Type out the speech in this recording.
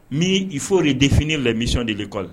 N i fɔo de def lami de kɔ la